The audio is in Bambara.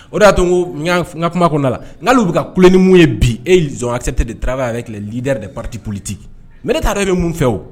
O de y'a ko n ka kuma kɔnɔnada la n' bɛ ka kule nimu ye bi e yezkisɛ tɛ de tarawele a bɛ tile lida de pati polite mɛ ne taara yɛrɛ bɛ mun fɛ o